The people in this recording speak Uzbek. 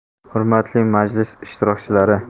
hurmatli majlis ishtirokchilari